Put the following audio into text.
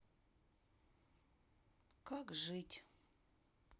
как жить